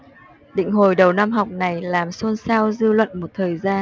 định hồi đầu năm học này làm xôn xao dư luận một thời gian